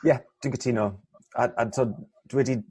Ie dwi'n cytuno a a t'od dw wedi